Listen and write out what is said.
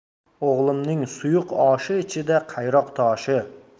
o'g'limning suyuq oshi ichida qayroq toshi